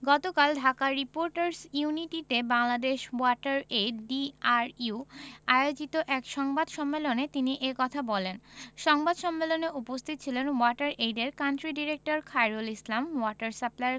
গতকাল ঢাকা রিপোর্টার্স ইউনিটিতে DRU water aid Bangladesh আয়োজিত এক সংবাদ সম্মেলন তিনি এ কথা বলেন সংবাদ সম্মেলনে উপস্থিত ছিলেন ওয়াটার এইডের country director Khairul Islam water সাপ্লাইর